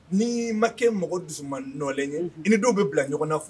Ni ii ma kɛ mɔgɔ dusu nɔlen ye i ni dɔw bɛ bila ɲɔgɔn fɔ